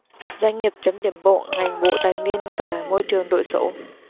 doanh nghiệp chấm điểm bộ ngành bộ tài nguyên và môi trường đội sổ